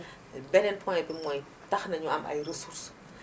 beneen point bi mooy tax na ñu am ay ressources